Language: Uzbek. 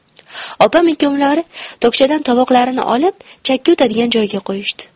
opam ikkovlari tokchadan tovoqlarni olib chakka o'tadigan joyga qo'yishdi